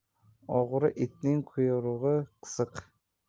o'g'ri itning quyrug'i qisiq